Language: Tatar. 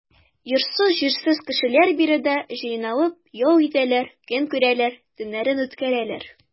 Йортсыз-җирсез кешеләр биредә җыйналып ял итәләр, көн күрәләр, төннәрен үткәрәләр.